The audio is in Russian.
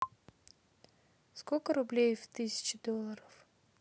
сколько рублей в тысяче долларов